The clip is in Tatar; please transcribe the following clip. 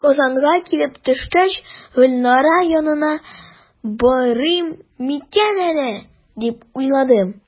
Казанга килеп төшкәч, "Гөлнара янына барыйм микән әллә?", дип уйландым.